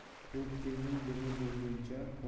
ho'kizning dumi bo'lguncha